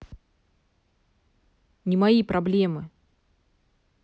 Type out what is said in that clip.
не мои проблемы